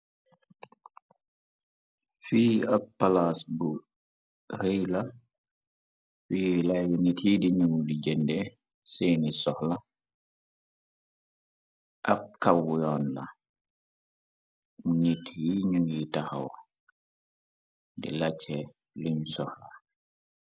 fii ab palaas bu rey la fi lay yu nit yi dinamu di jënde seeni soxla ab kaw yoon la mu nit yi ña ngi taxaw di lacce luñ soxla